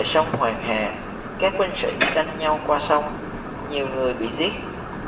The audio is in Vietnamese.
sông hoàng hà các binh sĩ tranh nhau qua sông nhiều người bị giết